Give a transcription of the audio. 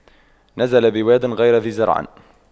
نزل بواد غير ذي زرع